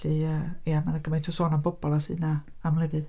Felly ia mae 'na gymaint o sôn am bobl ag sydd yna am lefydd.